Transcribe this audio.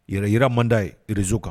Yɛrɛ yira manda rezo kan